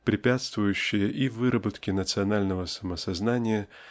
препятствующее и выработке национального самосознания